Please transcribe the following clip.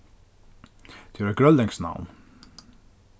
tað er eitt grønlendskt navn